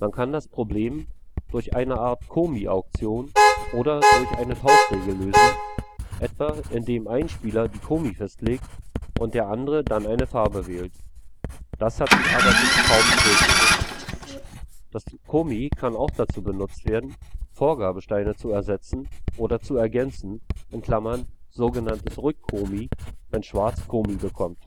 kann das Problem durch eine Art Komi-Auktion oder durch eine Tauschregel lösen, etwa indem ein Spieler die Komi festlegt und der andere dann eine Farbe wählt. Das hat sich aber noch kaum durchgesetzt. Das Komi kann auch dazu benutzt werden, Vorgabesteine zu ersetzen oder zu ergänzen (sogenanntes Rückkomi, wenn Schwarz Komi bekommt